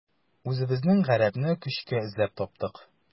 Үзебезнең гарәпне көчкә эзләп таптык.